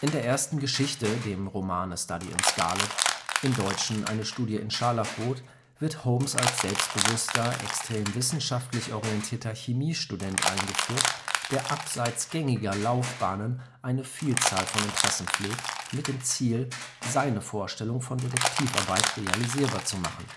der ersten Geschichte, dem Roman A Study in Scarlet (dt.: Eine Studie in Scharlachrot), wird Holmes als selbstbewusster, extrem wissenschaftlich orientierter Chemiestudent eingeführt, der abseits gängiger Laufbahnen eine Vielzahl von Interessen pflegt, mit dem Ziel, seine Vorstellungen von Detektivarbeit realisierbar zu machen